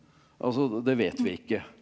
altså det vet vi ikke.